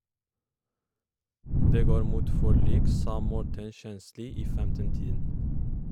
- Det går mot forlik, sa Morten Kjensli i 15-tiden.